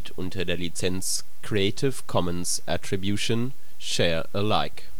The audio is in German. unter der Lizenz Creative Commons Attribution Share Alike